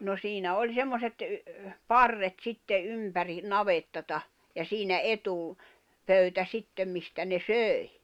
no siinä oli semmoiset parret sitten ympäri navettaa ja siinä - etupöytä sitten mistä ne söi